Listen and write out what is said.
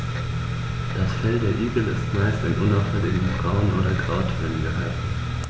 Das Fell der Igel ist meist in unauffälligen Braun- oder Grautönen gehalten.